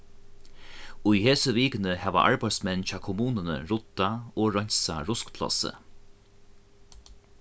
í hesi vikuni hava arbeiðsmenn hjá kommununi ruddað og reinsað ruskplássið